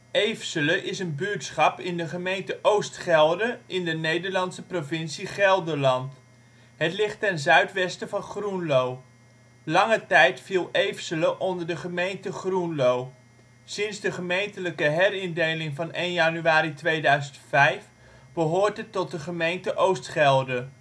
Eefsele is een buurtschap in de gemeente Oost Gelre in de Nederlandse provincie Gelderland. Het ligt ten zuidwesten van Groenlo. Lange tijd viel Eefsele onder de gemeente Groenlo. Sinds de gemeentelijke herindeling van 1 januari 2005 behoort het tot de gemeente Oost Gelre